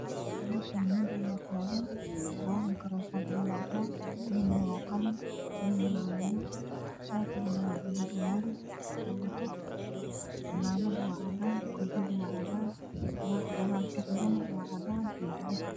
Meeshaan nin ayaa taagan labo makaroofan ayuu wataa midna waa qalin midna waa madow shaatigana waa buluug maari cimaamad waa cadaan koofidu waa cadaan nalka gadaal kaxegana waa cadaan iyo buluug.